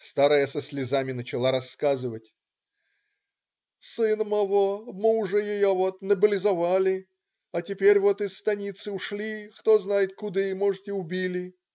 Старая со слезами начала рассказывать: "Сына маво, мужа ее вот, наблизовали, а теперь вот из станицы ушли, кто знает куды. может, и убили.